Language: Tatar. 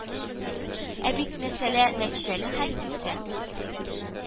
Ә бит мәсьәлә нәтиҗәле хәл ителсә